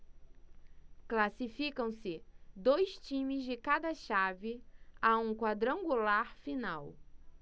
classificam-se dois times de cada chave a um quadrangular final